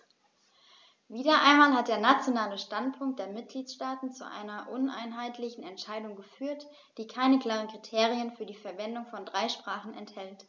Wieder einmal hat der nationale Standpunkt der Mitgliedsstaaten zu einer uneinheitlichen Entscheidung geführt, die keine klaren Kriterien für die Verwendung von drei Sprachen enthält.